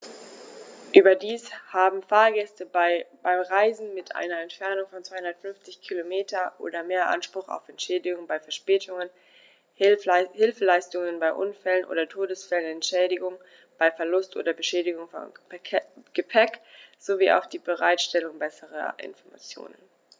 Überdies haben Fahrgäste bei Reisen mit einer Entfernung von 250 km oder mehr Anspruch auf Entschädigung bei Verspätungen, Hilfeleistung bei Unfällen oder Todesfällen, Entschädigung bei Verlust oder Beschädigung von Gepäck, sowie auf die Bereitstellung besserer Informationen.